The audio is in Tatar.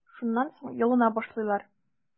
Шуннан соң ялына башлыйлар.